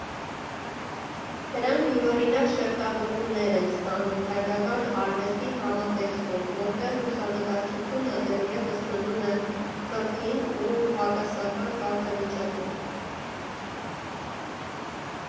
Դրանք յուրօրինակ շերտավորումներ են ստանում հայկական արվեստի համատեքստում, որտեղ լուսանկարչությունը դեռևս մնում է խրթին ու հակասական կարգավիճակում։